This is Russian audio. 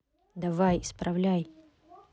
давай исправляй